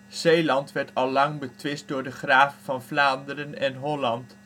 Zeeland werd al lang betwist door de graven van Vlaanderen en Holland